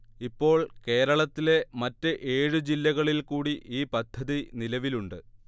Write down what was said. ഇപ്പോൾ കേരളത്തിലെ മറ്റ് ഏഴ് ജില്ലകളിൽ കൂടി ഈ പദ്ധതി നിലവിലുണ്ട്